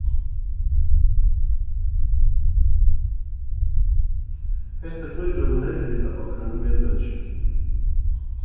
hetta knýtir okkum nærri at okkara medmenniskjum